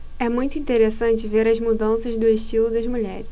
é muito interessante ver as mudanças do estilo das mulheres